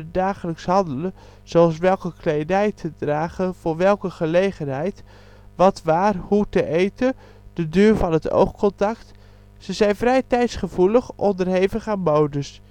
dagelijkse handelen, zoals: welke kledij te dragen voor welke gelegenheid, wat waar hoe te eten, de duur van het oogcontact. Ze zijn vrij tijdsgevoelig, onderhevig aan modes